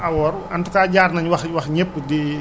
yeneen zones yi tamit yëf yi war na faa mën a feeñaat muy awoor bi